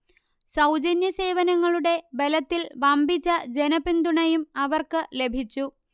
സൌജന്യ സേവനങ്ങളുടെ ബലത്തിൽ വമ്പിച്ച ജനപിന്തുണയും അവർക്ക് ലഭിച്ചു